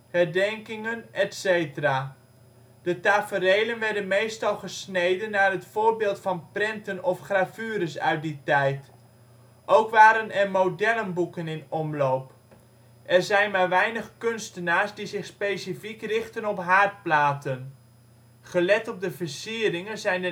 herdenkingen etc. De taferelen werden meestal gesneden naar het voorbeeld van prenten of gravures uit die tijd. Ook waren er modellenboeken in omloop. Er zijn maar weinig kunstenaars die zich specifiek richtten op haardplaten. Gelet op de versieringen zijn